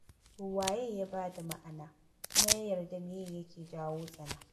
To waye ya ba da ma'ana ya kuma yarda meye yake janyo tsana?